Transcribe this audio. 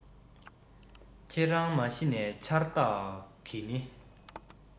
ཁྱེད རང མ གཞི ནས འཆར བདག གི ནི